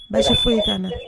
Baasi foyi t'an na